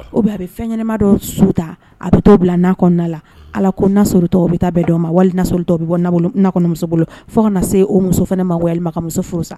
O bi a bɛ fɛn kɛnɛma dɔ su ta a bɛ to bila n'a kɔnɔna la ala ko natɔ u bɛ taa bɛn dɔw ma walisɔrɔlitɔ bɛ bɔ namuso bolo fo ka na se o muso fana ma wale ma ka muso furu san